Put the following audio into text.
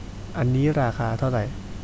อันนี้ราคาเท่าไร